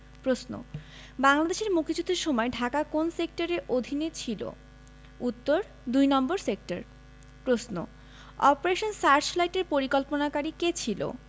প্রশ্ন বাংলাদেশের মুক্তিযুদ্ধের সময় ঢাকা কোন সেক্টরের অধীনে ছিলো উত্তর দুই নম্বর সেক্টর প্রশ্ন অপারেশন সার্চলাইটের পরিকল্পনাকারী কে ছিল